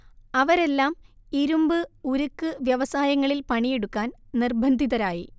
അവരെല്ലാം ഇരുമ്പ്, ഉരുക്ക് വ്യവസായങ്ങളിൽ പണിയെടുക്കാൻ നിർബന്ധിതരായി